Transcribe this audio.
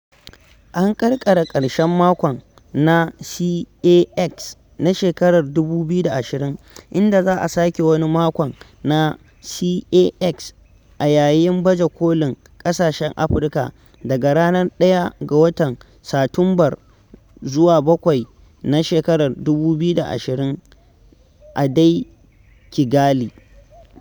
An ƙarƙare ƙarshen makon na CAX na shekarar 2020, inda za a sake wani makon na CAX a yayin baje kolin ƙasashen Afirka daga ranar 1 ga watan Satumbar zuwa 7 , na shekarar 2020 a dai Kigali.